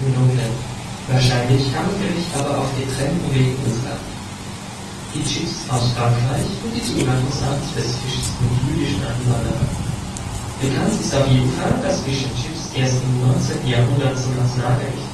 Dunklen. Wahrscheinlich kam das Gericht aber auf getrennten Wegen ins Land: Die Chips aus Frankreich und die Zubereitungsart des Fischs mit jüdischen Einwanderern. Bekannt ist auf jeden Fall, dass Fish’ n’ Chips erst im 19. Jahrhundert zum Nationalgericht